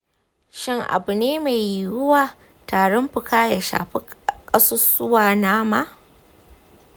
shin abu ne mai yiwuwa tarin fuka ya shafi ƙasusuwana ma?